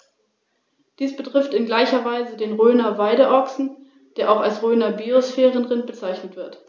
Das Rechtswesen im antiken Rom beinhaltete elementare zivil- und strafrechtliche Verfahrensvorschriften in der Rechtsordnung, die vom Grundsatz her in die modernen Rechtsnormen eingeflossen sind.